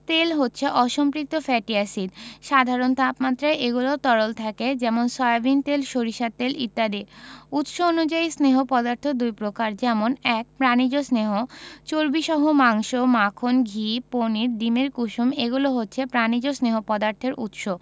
তেল হচ্ছে অসম্পৃক্ত ফ্যাটি এসিড সাধারণ তাপমাত্রায় এগুলো তরল থাকে যেমন সয়াবিন তেল সরিষার তেল ইত্যাদি উৎস অনুযায়ী স্নেহ পদার্থ দুই প্রকার যেমন ১. প্রাণিজ স্নেহ চর্বিসহ মাংস মাখন ঘি পনির ডিমের কুসুম এগুলো হচ্ছে প্রাণিজ স্নেহ পদার্থের উৎস